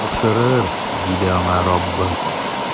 Тапшырыр, - диде аңа Раббы.